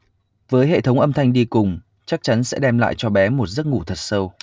với hệ thống âm thanh đi cùng chắc chắn sẽ đem lại cho bé một giấc ngủ thật sâu